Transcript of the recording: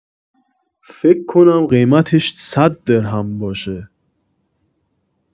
فکر کنم قیمتش ۱۰۰ درهم باشه